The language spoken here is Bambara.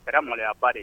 A kɛla maloyaba de ye